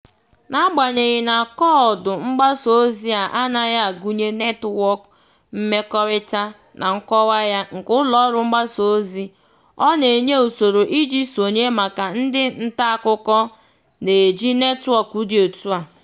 N'agbanyeghị na koodu mgbasaozi a anaghị agụnye netwọk mmekọrịta na nkọwa ya nke ụlọọrụ mgbasaozi, ọ na-enye usoro iji sonye maka ndị ntaakụkọ na-eji netwọk dị otú a.